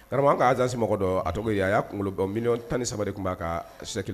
Tma an ka'azsemɔgɔ dɔn ato a y'a kunkolo dɔn mi tan ni saba de tun b'a ka sɛ kelen